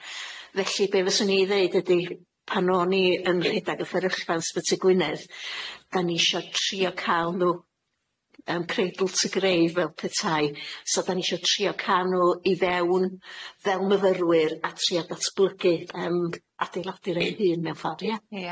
Felly be' fyswn i i ddeud ydi, pan o'n i yn rhedag y fferyllfa yn ysbyty Gwynedd da nisio trio ca'l n'w yym cradle to grave fel petai so da nisio trio ca'l n'w i fewn fel myfyrwyr a trio datblygu yym adeiladur ei hun mewn ffor' ia? Ia.